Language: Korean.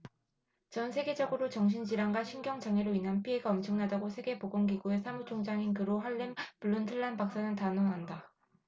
전 세계적으로 정신 질환과 신경 장애로 인한 피해가 엄청나다고 세계 보건 기구의 사무총장인 그로 할렘 브룬틀란 박사는 단언한다